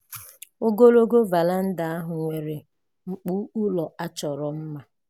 Ogologo veranda ahụ nwere mkpu ụlọ a chọrọ mma.